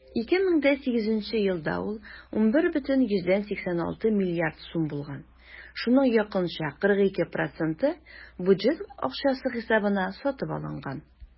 2008 елда ул 11,86 млрд. сум булган, шуның якынча 42 % бюджет акчасы хисабына сатып алынган.